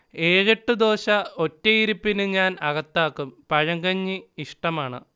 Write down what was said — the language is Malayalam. ഏഴെട്ട് ദോശ ഒറ്റയിരുപ്പിനു ഞാൻ അകത്താക്കും, പഴങ്കഞ്ഞി ഇഷ്ടമാണ്